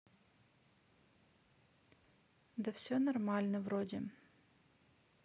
да все нормально вроде